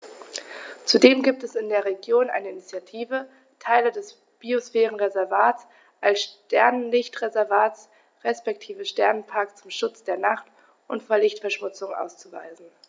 Zudem gibt es in der Region eine Initiative, Teile des Biosphärenreservats als Sternenlicht-Reservat respektive Sternenpark zum Schutz der Nacht und vor Lichtverschmutzung auszuweisen.